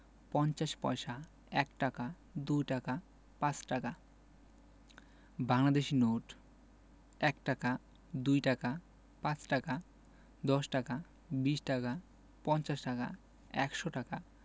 ৫০ পয়সা ১ টাকা ২ টাকা ৫ টাকা বাংলাদেশি নোটঃ ১ টাকা ২ টাকা ৫ টাকা ১০ টাকা ২০ টাকা ৫০ টাকা ১০০ টাকা